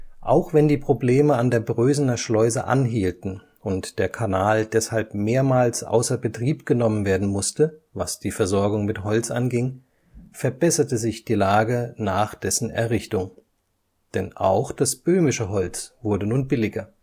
Auch wenn die Probleme an der Prösener Schleuse anhielten und der Kanal deshalb mehrmals außer Betrieb genommen werden musste, was die Versorgung mit Holz anging, verbesserte sich die Lage nach dessen Errichtung. Denn auch das böhmische Holz wurde nun billiger